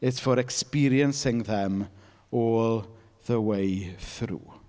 It's for experiencing them all the way through.